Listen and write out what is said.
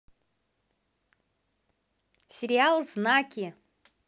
сериал знаки